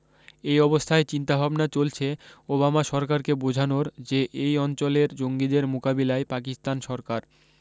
এই অবস্থায় চিন্তাভাবনা চলছে ওবামা সরকারকে বোঝানোর যে এই অঞ্চলের জঙ্গিদের মোকাবিলায় পাকিস্তান সরকার